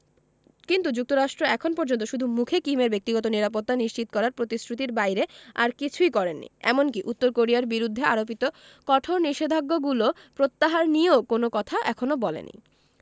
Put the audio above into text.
কিন্তু যুক্তরাষ্ট্র এখন পর্যন্ত শুধু মুখে কিমের ব্যক্তিগত নিরাপত্তা নিশ্চিত করার প্রতিশ্রুতির বাইরে আর কিছুই করেনি এমনকি উত্তর কোরিয়ার বিরুদ্ধে আরোপিত কঠোর নিষেধাজ্ঞাগুলো প্রত্যাহার নিয়েও কোনো কথা এখনো বলেনি